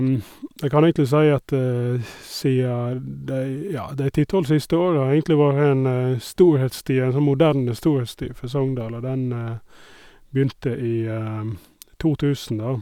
En kan egentlig si at, sia de ja, de ti tolv siste åra har egentlig vore en storhetstid, en sånn moderne storhetstid for Sogndal, og den begynte i to tusen, da.